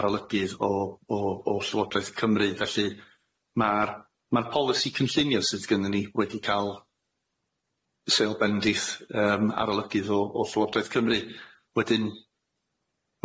arolygydd o o o Llywodraeth Cymru felly ma'r ma'r, polisi cynllunio sydd gynnon ni wedi ca'l seil bendith yym arolygydd o o Llywodraeth Cymru wedyn,